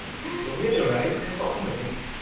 tôi biết điều đấy nên cậu không phải nịnh